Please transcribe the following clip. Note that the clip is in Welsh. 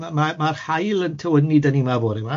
Ma' ma'r haul yn tywynnu 'da ni yma bore 'ma.